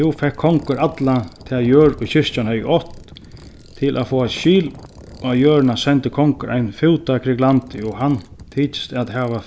nú fekk kongur alla ta jørð ið kirkjan hevði átt til at fáa skil á jørðina sendi kongur ein fúta kring landið og hann tykist at hava